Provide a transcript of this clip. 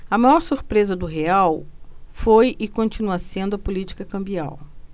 a maior surpresa do real foi e continua sendo a política cambial